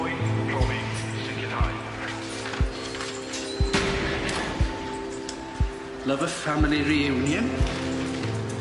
Cloi, profi, sicirhau. Love a family reunion.